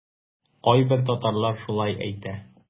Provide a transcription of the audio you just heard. Кайбер татарлар шулай әйтә.